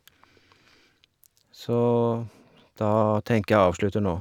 Så, da tenker jeg jeg avslutter nå.